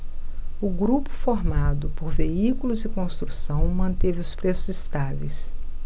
o grupo formado por veículos e construção manteve os preços estáveis